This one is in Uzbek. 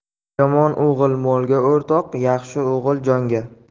yomon o'g'il molga o'rtoq yaxshi o'g'il jonga